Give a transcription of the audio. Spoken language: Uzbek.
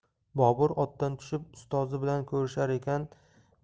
bobur otdan tushib ustozi bilan ko'rishar ekan